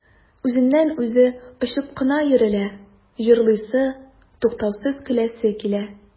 Үзеннән-үзе очып кына йөрелә, җырлыйсы, туктаусыз көләсе килә.